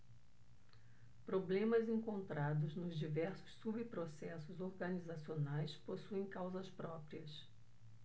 problemas encontrados nos diversos subprocessos organizacionais possuem causas próprias